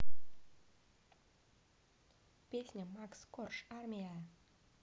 песня макс корж армия